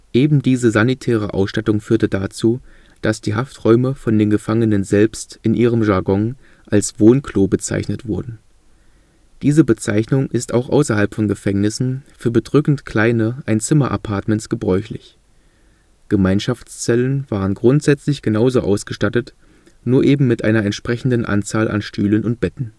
Ebendiese sanitäre Ausstattung führte dazu, dass die Hafträume von den Gefangenen selbst in ihrem Jargon als „ Wohnklo “bezeichnet wurden. Diese Bezeichnung ist auch außerhalb von Gefängnissen für bedrückend kleine Einzimmerappartements gebräuchlich. Gemeinschaftszellen waren grundsätzlich genauso ausgestattet, nur eben mit einer entsprechenden Anzahl an Stühlen und Betten